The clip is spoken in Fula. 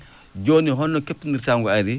jooni holno kebtinirtaa ngu arii